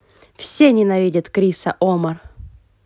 все ненавидят криса омар